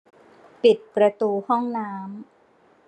ปิดประตูห้องน้ำ